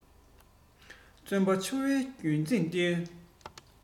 བརྩོན པ ཆུ བོའི རྒྱུན བཞིན བསྟེན